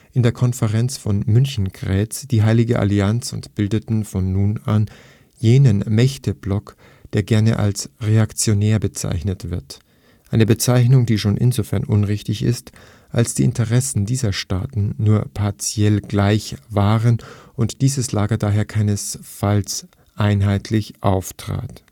in der Konferenz von Münchengrätz die Heilige Allianz und bildeten von nun an jenen Mächteblock, der gerne als „ reaktionär “bezeichnet wird – eine Bezeichnung, die schon insofern unrichtig ist, als die Interessen dieser Staaten nur partiell gleich waren und dieses „ Lager “daher keineswegs einheitlich auftrat